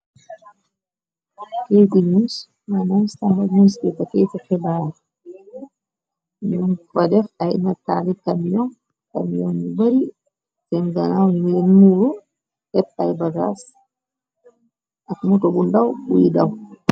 Kayiti xibarr ñing fa def ay nitali kamyong, kamyong yu bari sèèn ganaw ñi lèèn muur ép ay bagaas ak motto bu ndaw buy daw.